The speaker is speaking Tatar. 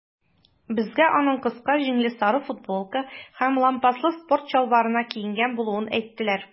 Безгә аның кыска җиңле сары футболка һәм лампаслы спорт чалбарына киенгән булуын әйттеләр.